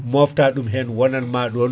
mofrta ɗum hen wonanma ɗon